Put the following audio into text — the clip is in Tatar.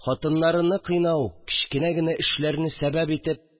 Хатыннарыны кыйнау, кечкенә генә эшләрне сәбәп итеп